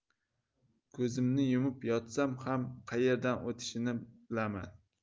ko'zimni yumib yotsam ham qayerdan o'tishini bilaman